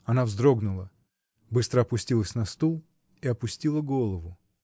Она вздрогнула, быстро опустилась на стул и опустила голову.